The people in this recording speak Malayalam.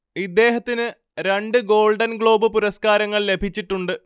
ഇദ്ദേഹത്തിന് രണ്ട് ഗോൾഡൻ ഗ്ലോബ് പുരസകാരങ്ങൾ ലഭിച്ചിട്ടുണ്ട്